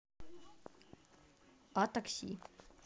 а такси